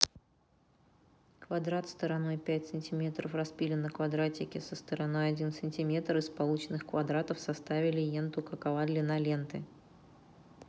квадрат стороной пять сантиметров распилили на квадратике со стороной один сантиметр из полученных квадратов составили енту какова длина ленты